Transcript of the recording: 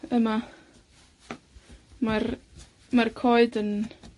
yma, mae'r, mae'r coed yn